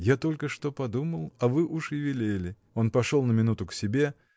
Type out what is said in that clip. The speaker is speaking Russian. я только что подумал, а вы уж и велели!. Он пошел на минуту к себе.